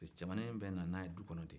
cɛmani bɛ nana ye du kɔnɔ de